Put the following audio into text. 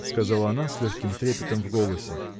– сказала она с легким трепетом в голосе.